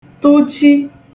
tụchi